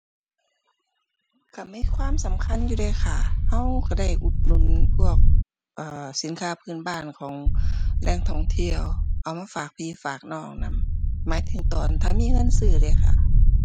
ก็มีความสำคัญอยู่เดะค่ะ ก็ก็ได้อุดหนุนพวก เอ่อ สินค้าพื้นบ้านของแหล่งท่องเที่ยว เอามาฝากพี่ฝากน้องนำ หมายถึงตอนถ้ามีเงินซื้อเดะค่ะ